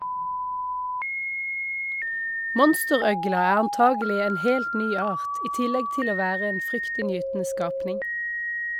Monsterøgla er antagelig en helt ny art, i tillegg til å være en fryktinngytende skapning.